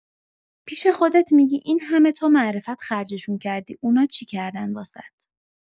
پیش خودت می‌گی اینهمه که تو معرفت خرجشون کردی اونا چی کردن واست؟